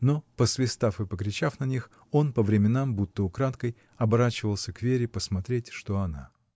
Но, посвистав и покричав на них, он, по временам, будто украдкой, оборачивался к Вере посмотреть, что она.